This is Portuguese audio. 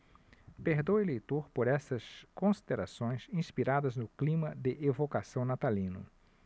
perdoe o leitor por essas considerações inspiradas no clima de evocação natalino